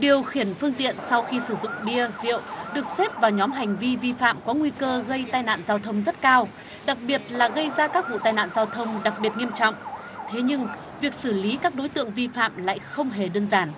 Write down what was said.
điều khiển phương tiện sau khi sử dụng bia rượu được xếp vào nhóm hành vi vi phạm có nguy cơ gây tai nạn giao thông rất cao đặc biệt là gây ra các vụ tai nạn giao thông đặc biệt nghiêm trọng thế nhưng việc xử lý các đối tượng vi phạm lại không hề đơn giản